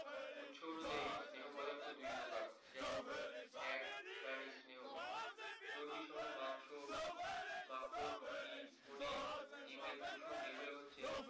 উৎস অনুযায়ী স্নেহ পদার্থ দুই প্রকার যেমন ১. প্রাণিজ স্নেহ চর্বিসহ মাংস মাখন ঘি পনির ডিমের কুসুম এগুলো হচ্ছে